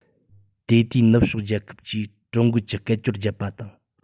དེ དུས ནུབ ཕྱོགས རྒྱལ ཁབ ཀྱིས ཀྲུང རྒོལ གྱི སྐད ཅོར བརྒྱབ པ དང